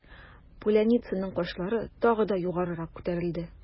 Поляницаның кашлары тагы да югарырак күтәрелде.